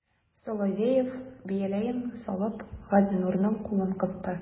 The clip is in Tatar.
Соловеев, бияләен салып, Газинурның кулын кысты.